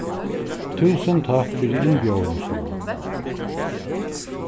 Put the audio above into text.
túsund takk fyri innbjóðingina